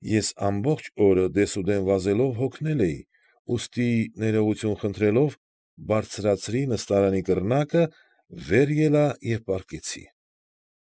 Ես ամբողջ օրը դեսուդեն վազելով հոգնել էի, ուստի ներողություն խնդրելով, բարձրացրի նստարանի կռնակը, վեր ելա և պառկեցի։